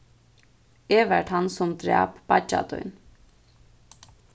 eg var tann sum drap beiggja tín